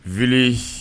Wele